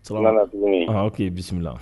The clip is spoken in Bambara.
K' ye bisimila